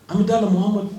An bɛ taa Muhamadu